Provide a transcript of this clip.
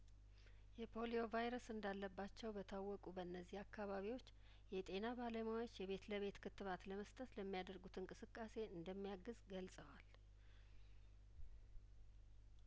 የፖሊዮ ቫይረስ እንዳለባቸው በታወቁ በእነዚህ አካባቢዎች የጤና ባለሙያዎች የቤት ለቤት ክትባት ለመስጠት ለሚያደርጉት እንቅስቃሴ እንደሚያግዝ ገልጸዋል